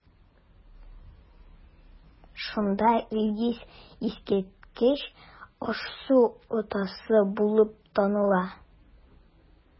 Шунда Илгиз искиткеч аш-су остасы булып таныла.